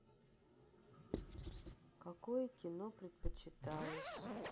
какое кино предпочитаешь